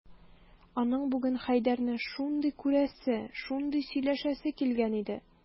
Аның бүген Хәйдәрне шундый күрәсе, шундый сөйләшәсе килгән иде...